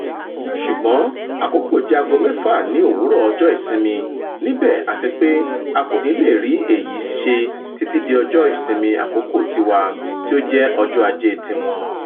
"Ṣùgbọ́n àkókò jẹ́ ààgo mẹ́fà ní òwúrọ̀ ọjọ́ ìsinmi níbẹ̀ àti pé a kò ní le rí èyí ṣe títí di ọjọ́ ìsinmi àkókò tiwa, tí ó jẹ́ ọjọ́ aje tiwọn.